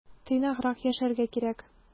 Тыйнаграк яшәргә кирәк.